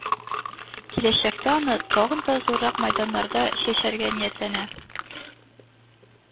Киләчәктә аны тагын да зуррак мәйданнарда чәчәргә ниятләнә